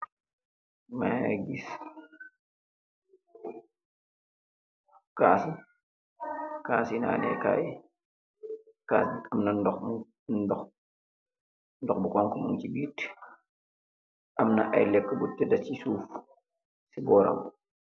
Magee giss kass, kasse nane Kanye, kass be amna noh mu noh bu honha nug se bete amna aye leka bu teda se suff se boram.